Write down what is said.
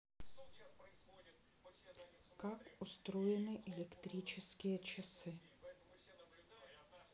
как устроены электрические часы